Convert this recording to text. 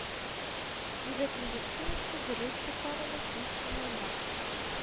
Тибет медицинасы дөрес туклануны күз уңында